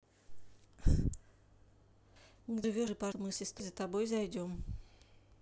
где ты живешь скажи пожалуйста мы с моей сестрой за тобой зайдем